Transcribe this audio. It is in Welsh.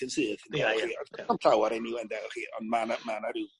yn syth. Ia ia. Do's na'm llawar eniwe ynde ond ma' 'na ma' 'na rei